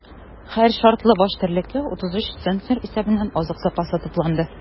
Һәр шартлы баш терлеккә 33 центнер исәбеннән азык запасы тупланды.